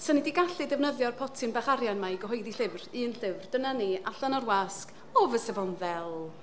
'sen ni 'di gallu defnyddio'r potyn bach arian 'ma i gyhoeddi llyfr, un llyfr, dyna ni, allan o'r wasg, o fysa fo'n ddel!